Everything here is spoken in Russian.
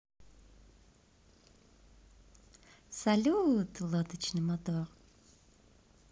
салют лодочный мотор